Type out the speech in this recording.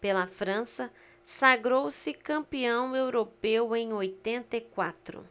pela frança sagrou-se campeão europeu em oitenta e quatro